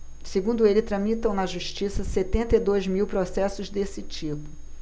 segundo ele tramitam na justiça setenta e dois mil processos desse tipo